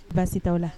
Baasi t'aw la